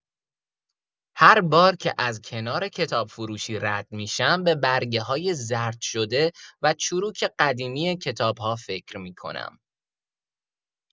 هر بار که از کنار کتابفروشی رد می‌شم به برگه‌های زرد شده و چروک قدیمی کتاب‌ها فکر می‌کنم.